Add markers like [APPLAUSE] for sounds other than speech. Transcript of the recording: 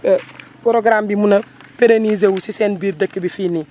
[HESITATION] programme bi mun a péréniser wu si seen biir dëkk bi fii nii